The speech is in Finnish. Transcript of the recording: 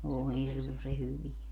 oo hirmuisen hyviä